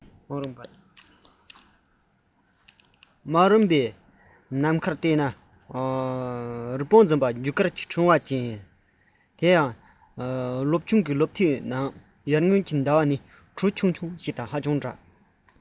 སྨག ནག པའི ནམ མཁར བལྟས རི བོང འཛིན པ རྒྱུ སྐར གྱི ཕྲེང བ ཅན སེམས ནས རྟོག བཟོ ཡང ཡང བྱས རྟོག བཟོ བྱས པའི ཟླ བ སློབ ཆུང གི བསླབ དེབ ངོས ཡར ངོའི ཟླ བ ཤིང གྲུ ཆུང ཆུང འདྲ